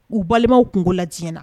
U balimaw tun' la tiɲɛna